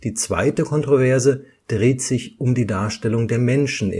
zweite Kontroverse dreht sich um die Darstellung der Menschen